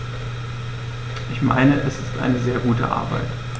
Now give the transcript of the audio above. Ich meine, es ist eine sehr gute Arbeit.